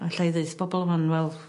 a 'llai ddeuth bobol 'wan wel